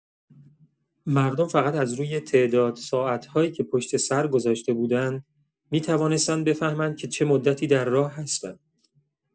مردم فقط از روی تعداد ساعت‌هایی که پشت‌سر گذاشته بودند، می‌توانستند بفهمند که چه مدتی در راه هستند.